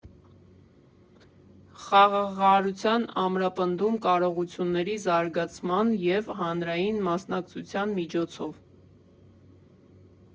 Խաղաղարարության ամրապնդում կարողությունների զարգացման և հանրային մասնակցության միջոցով։